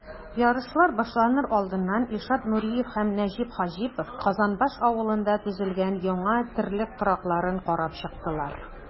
Ярышлар башланыр алдыннан Илшат Нуриев һәм Нәҗип Хаҗипов Казанбаш авылында төзелгән яңа терлек торакларын карап чыктылар.